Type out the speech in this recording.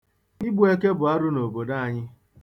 Igbu eke bụ arụ n'obodo anyị.